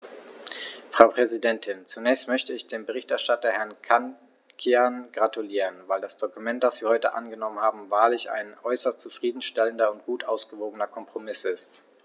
Frau Präsidentin, zunächst möchte ich dem Berichterstatter Herrn Cancian gratulieren, weil das Dokument, das wir heute angenommen haben, wahrlich ein äußerst zufrieden stellender und gut ausgewogener Kompromiss ist.